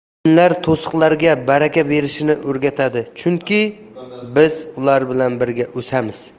dinlar to'siqlarga baraka berishni o'rgatadi chunki biz ular bilan birga o'samiz